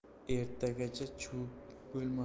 ertagacha chuvib bo'lmasak